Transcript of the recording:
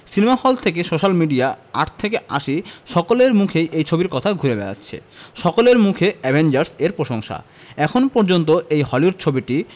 cinema hall থেকে social media আট থেকে আশি সকলের মুখেই এই ছবির কথা ঘুরে বেড়াচ্ছে সকলের মুখে অ্যাভেঞ্জার্স এর প্রশংসা এখনও পর্যন্ত এই হলিউড ছবিটি